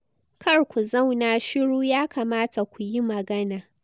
Kar ku zauna shiru- yakamata ku yi magana.”